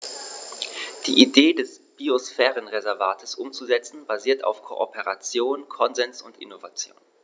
Die Idee des Biosphärenreservates umzusetzen, basiert auf Kooperation, Konsens und Innovation.